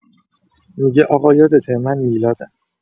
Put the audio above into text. می‌گه آقا یادته من میلادم.